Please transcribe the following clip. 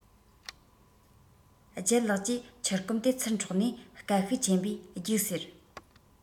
ལྗད ལགས ཀྱིས ཕྱུར སྐོམ དེ ཚུར འཕྲོག ནས སྐད ཤུགས ཆེན པོས རྒྱུགས ཟེར